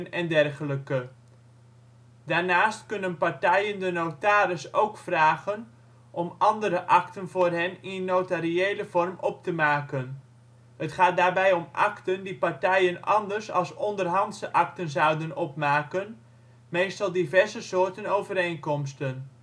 en dergelijke) Daarnaast kunnen partijen de notaris ook vragen om andere akten voor hen in notariële vorm op te maken. Het gaat daarbij om akten die partijen anders als onderhandse akten zouden opmaken (meestal diverse soorten overeenkomsten